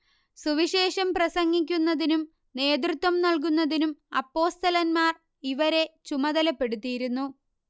സുവിശേഷം പ്രസംഗിക്കുന്നതിനും നേതൃത്വം നല്കുന്നതിനും അപ്പോസ്തലൻമാർ ഇവരെ ചുമതലപ്പെടുത്തിയിരുന്നു